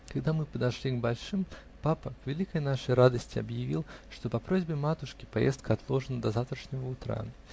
Когда мы подошли к большим, папа, к великой нашей радости, объявил, что, по просьбе матушки, поездка отложена до завтрашнего утра.